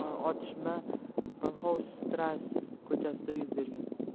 banxofshtrass ko'chasida yuz bergan